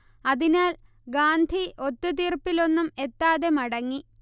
അതിനാൽ ഗാന്ധി ഒത്തുതീർപ്പിലൊന്നും എത്താതെ മടങ്ങി